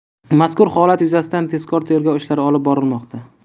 mazkur holat yuzasidan tezkor tergov ishlari olib borilmoqda